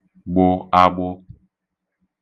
gbụ̄ āgbụ̄